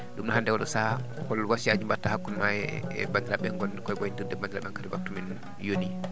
ɗumne hannde oɗo sahaa hol wasiyaji mbatta hakkudema e e bandiraɓeɓe goɗɗen koye wayno dirde e banndiraaɓe hankkadi waptu men yooni